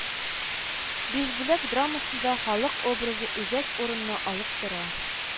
Бишбүләк драмасында халык образы үзәк урынны алып тора